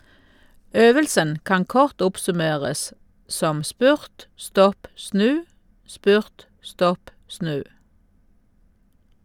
Øvelsen kan kort oppsummeres som "spurt, stopp, snu; spurt, stopp, snu".